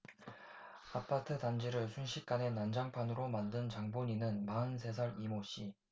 아파트 단지를 순식간에 난장판으로 만든 장본인은 마흔 세 살 이 모 씨